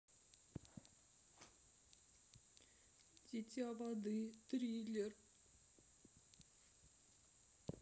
дитя воды триллер